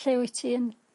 Lle wyt ti'n...